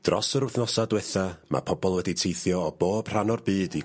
Dros yr wthnosa dwetha ma' pobol wedi teithio o bob rhan o'r byd i...